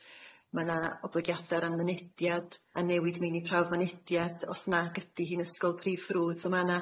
Ma' 'na oblygiada' o ran mynediad, a newid meini prawf mynediad os nag ydi hi'n ysgol prif ffrwd. So ma' 'na